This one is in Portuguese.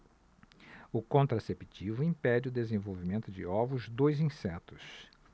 o contraceptivo impede o desenvolvimento de ovos dos insetos